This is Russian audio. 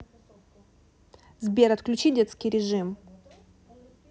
сбер отключи детский режим